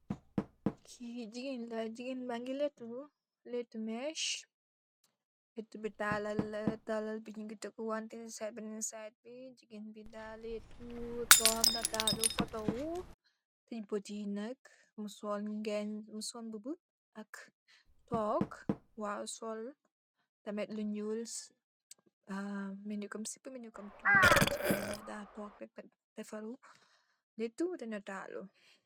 Jegueen bou lettou la mess mougui tok di natalou